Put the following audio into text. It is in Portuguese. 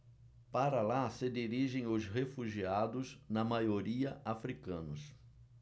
para lá se dirigem os refugiados na maioria hútus